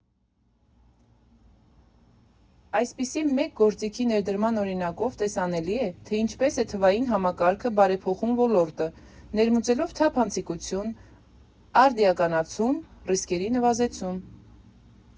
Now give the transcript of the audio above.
Այսպիսի մեկ գործիքի ներդրման օրինակով տեսանելի է, թե ինչպես է թվային համակարգը բարեփոխում ոլորտը՝ ներմուծելով թափանցիկություն, արդիականացում, ռիսկերի նվազեցում։